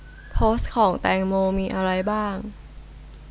โพสต์ของแตงโมมีอะไรบ้าง